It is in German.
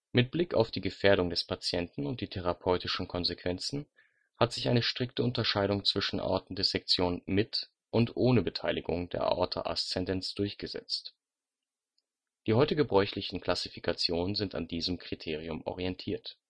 Mit Blick auf die Gefährdung des Patienten und die therapeutischen Konsequenzen hat sich eine strikte Unterscheidung zwischen Aortendissektionen mit und ohne Beteiligung der Aorta ascendens durchgesetzt. Die heute gebräuchlichen Klassifikationen sind an diesem Kriterium orientiert